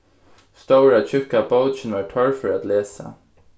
stóra tjúkka bókin var torfør at lesa